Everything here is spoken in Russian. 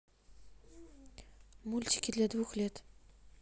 мультики для двух лет